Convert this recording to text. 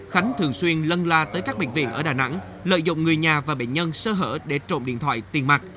khánh thường xuyên lân la tới các bệnh viện ở đà nẵng lợi dụng người nhà và bệnh nhân sơ hở để trộm điện thoại tiền mặt